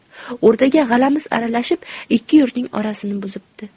o'rtaga g'alamis aralashib ikki yurtning orasini buzibdi